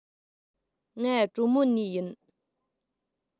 ང གྲོ མོ ནས ཡིན